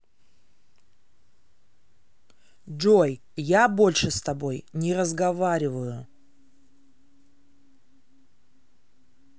джой я больше с тобой не разговариваю